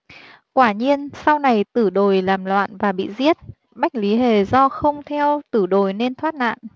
quả nhiên sau này tử đồi làm loạn và bị giết bách lý hề do không theo tử đồi nên thoát nạn